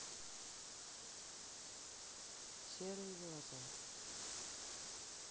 серые глаза